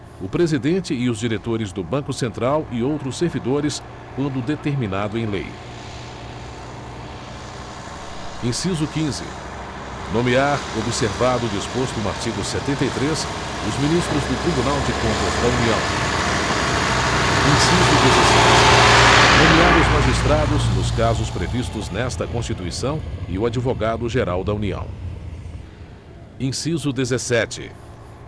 o presidente e os diretores do banco central e outros servidores quando determinado em lei inciso quinze nomear observado o disposto no artigo setenta e três os ministros do tribunal de contas da união inciso dezesseis nomear os magistrados nos casos previstos nesta constituição e o advogado geral da união inciso dezessete